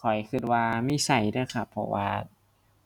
ข้อยคิดว่ามีคิดเด้อครับเพราะว่า